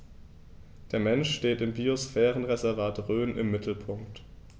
Der Mensch steht im Biosphärenreservat Rhön im Mittelpunkt.